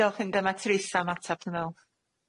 Diolch a maturiaetha am atab dwi me'wl.